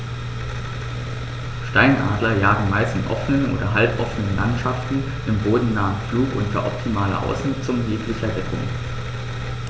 Steinadler jagen meist in offenen oder halboffenen Landschaften im bodennahen Flug unter optimaler Ausnutzung jeglicher Deckung.